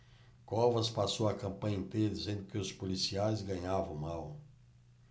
covas passou a campanha inteira dizendo que os policiais ganhavam mal